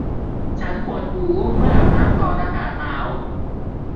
ฉันปวดหูเมื่ออาบน้ำตอนอากาศหนาว